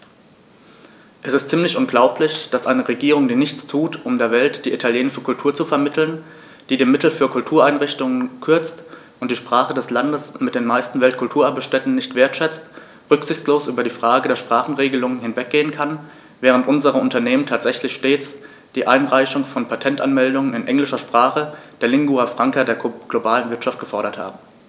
Es ist ziemlich unglaublich, dass eine Regierung, die nichts tut, um der Welt die italienische Kultur zu vermitteln, die die Mittel für Kultureinrichtungen kürzt und die Sprache des Landes mit den meisten Weltkulturerbe-Stätten nicht wertschätzt, rücksichtslos über die Frage der Sprachenregelung hinweggehen kann, während unsere Unternehmen tatsächlich stets die Einreichung von Patentanmeldungen in englischer Sprache, der Lingua Franca der globalen Wirtschaft, gefordert haben.